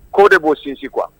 Ko de b'o sinsin quoi